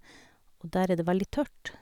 Og der er det veldig tørt.